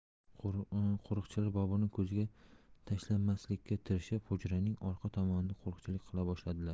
qo'rchilar boburning ko'ziga tashlanmaslikka tirishib hujraning orqa tomonida qo'riqchilik qila boshladilar